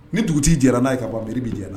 Ni dugutigi jɛra n'a ye ka banbri b bɛ la